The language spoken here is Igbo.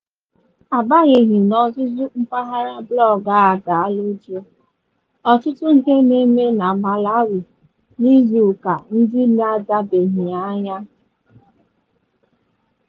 Agbanyeghị n'ozuzu mpaghara blọọgụ a daala jụụ, ọtụtụ ihe na-eme na Malawi n'izu ụka ndị na-adịbeghị anya.